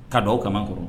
Ka dɔw ka kɔrɔ